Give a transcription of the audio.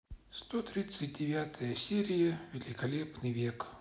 сто тридцать девятая серия великолепный век